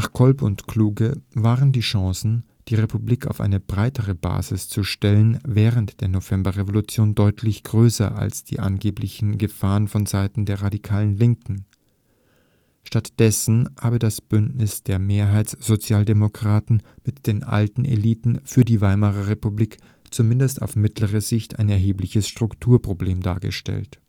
Kolb und Kluge waren die Chancen, die Republik auf eine breitere Basis zu stellen, während der Novemberrevolution deutlich größer als die angeblichen Gefahren von Seiten der radikalen Linken. Stattdessen habe das Bündnis der Mehrheitssozialdemokraten mit den alten Eliten für die Weimarer Republik zumindest auf mittlere Sicht ein erhebliches Strukturproblem dargestellt